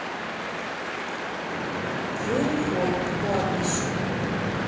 юрий хой кладбище